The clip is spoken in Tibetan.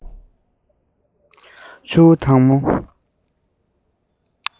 ཆུ བོ དྭངས མོ